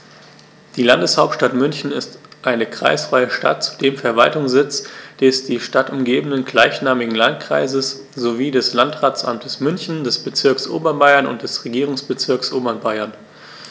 Die Landeshauptstadt München ist eine kreisfreie Stadt, zudem Verwaltungssitz des die Stadt umgebenden gleichnamigen Landkreises sowie des Landratsamtes München, des Bezirks Oberbayern und des Regierungsbezirks Oberbayern.